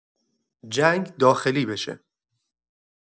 جنگ داخلی بشه.